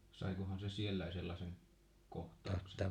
saikohan se siellä sellaisen kohtauksen